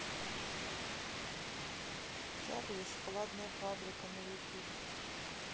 чарли и шоколадная фабрика на ютуб